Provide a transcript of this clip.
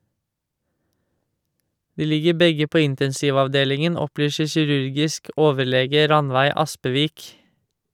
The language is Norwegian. De ligger begge på intensivavdelingen, opplyser kirurgisk overlege Rannveig Aspevik.